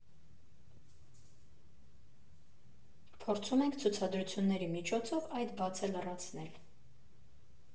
Փորձում ենք ցուցադրությունների միջոցով այդ բացը լրացնել։